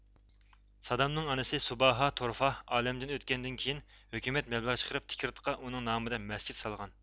سادامنىڭ ئانىسى سۇباھا تورفاھ ئالەمدىن ئۆتكەندىن كىيىن ھۆكۈمەت مەبلەغ چىقىرىپ تىكرىتقا ئۇنىڭ نامىدا مەسچىت سالغان